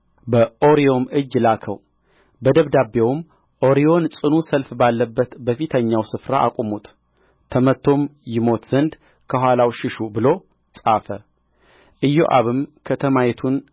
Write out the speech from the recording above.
በኦርዮም እጅ ላከው በደብዳቤውም ኦርዮን ጽኑ ሰልፍ ባለበት በፊተኛው ስፍራ አቁሙት ተመትቶም ይሞት ዘንድ ከኋላው ሽሹ ብሎ ጻፈ ኢዮአብም ከተማይቱን